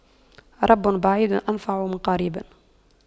رب بعيد أنفع من قريب